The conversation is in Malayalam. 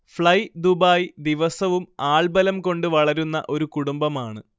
ഫ്ളൈ ദുബായ് ദിവസവും ആൾബലം കൊണ്ട് വളരുന്ന ഒരു കുടുംബമാണ്